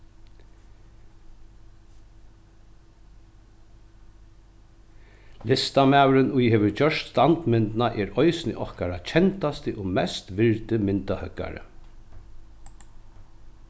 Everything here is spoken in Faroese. listamaðurin ið hevur gjørt standmyndina er eisini okkara kendasti og mest virdi myndahøggari